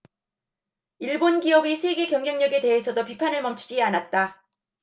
일본 기업의 세계 경쟁력에 대해서도 비판을 멈추지 않았다